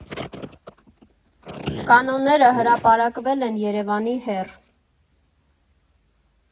Կանոնները հրապարակվել են Երևանի հեռ.